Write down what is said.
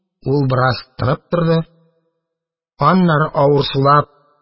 Ул бераз тынып торды. Аннары, авыр сулап